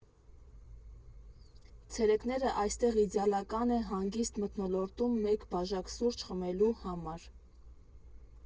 Ցերեկները այստեղ իդեալական է հանգիստ մթնոլորտում մեկ բաժակ սուրճ խմելու համար։